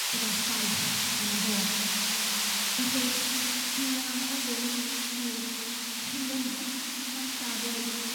Bod o'n ffaith a 'na fo felly dwi am ofyn i'r tri yma falla roid